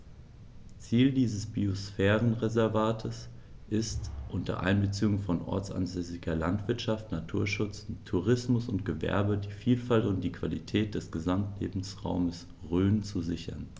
Ziel dieses Biosphärenreservates ist, unter Einbeziehung von ortsansässiger Landwirtschaft, Naturschutz, Tourismus und Gewerbe die Vielfalt und die Qualität des Gesamtlebensraumes Rhön zu sichern.